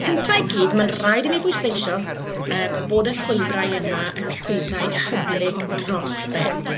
Cyntaf i gyd, mae'n rhaid i mi bwysleisio yym bod y llwybrau yma yn llwybrau hyblyg dros ben.